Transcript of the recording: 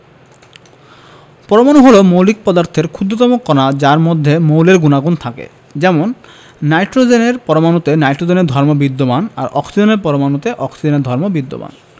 পরমাণু হলো মৌলিক পদার্থের ক্ষুদ্রতম কণা যার মধ্যে মৌলের গুণাগুণ থাকে যেমন নাইট্রোজেনের পরমাণুতে নাইট্রোজেনের ধর্ম বিদ্যমান আর অক্সিজেনের পরমাণুতে অক্সিজেনের ধর্ম বিদ্যমান